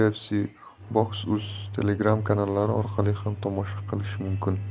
ufcboxuz telegram kanallari orqali ham tomosha qilish mumkin